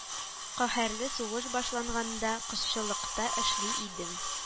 Каһәрле сугыш башланганда кошчылыкта эшли идем